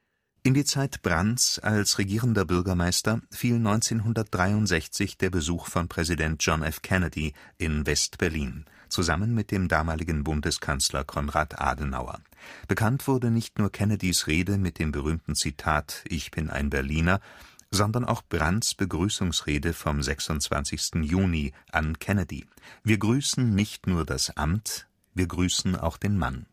Zeit Brandts als Regierender Bürgermeister fiel 1963 der Besuch von Präsident John F. Kennedy in West-Berlin (zusammen mit dem damaligen Bundeskanzler Konrad Adenauer). Bekannt wurde nicht nur Kennedys Rede mit dem berühmten Zitat „ Ich bin ein Berliner “, sondern auch Brandts Begrüßungsrede vom 26. Juni an Kennedy: „ Wir grüßen nicht nur das Amt, wir grüßen auch den Mann